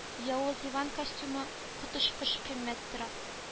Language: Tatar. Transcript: Явыз иван костюмы коточкыч кыйммәт тора